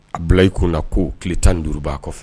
A bilayiurunna ko tile tan ni duuruurubaa kɔfɛ